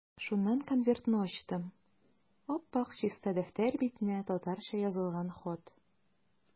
Шуннан конвертны ачтым, ап-ак чиста дәфтәр битенә татарча язылган хат.